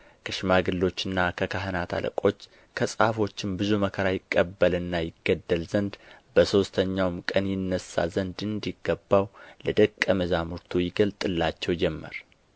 ከሽማግሎችና ከካህናት አለቆች ከጻፎችም ብዙ መከራ ይቀበልና ይገደል ዘንድ በሦስተኛውም ቀን ይነሣ ዘንድ እንዲገባው ለደቀ መዛሙርቱ ይገልጥላቸው ጀመር